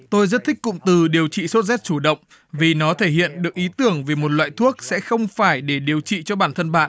tôi rất thích cụm từ điều trị sốt rét chủ động vì nó thể hiện được ý tưởng về một loại thuốc sẽ không phải để điều trị cho bản thân bạn